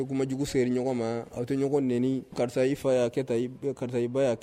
Majugusɛ ɲɔgɔn ma a tɛɲɔgɔn n karisa i fa y'a kɛta karisa i ba' kɛ